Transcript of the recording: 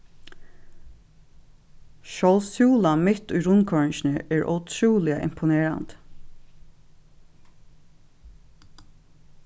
sjálv súlan mitt í rundkoyringini er ótrúliga imponerandi